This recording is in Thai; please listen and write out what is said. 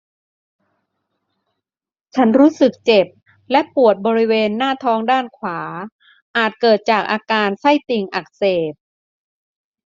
ฉันรู้สึกเจ็บและปวดบริเวณหน้าท้องด้านขวาอาจเกิดจากอาการไส้ติ่งอักเสบ